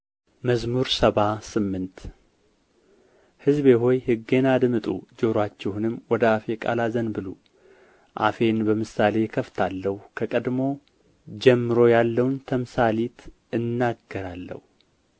መዝሙር ሰባ ስምንት ሕዝቤ ሆይ ሕጌን አድምጡ ጆሮአችሁንም ወደ አፌ ቃል አዘንብሉ አፌን በምሳሌ እከፍታለሁ ከቀድሞ ጀምሮ ያለውንም ተምሳሊት እናገራለሁ